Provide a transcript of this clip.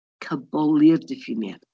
Caboli'r diffiniad.